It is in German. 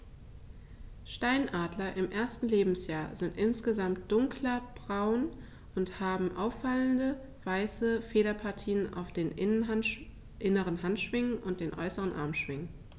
Steinadler im ersten Lebensjahr sind insgesamt dunkler braun und haben auffallende, weiße Federpartien auf den inneren Handschwingen und den äußeren Armschwingen.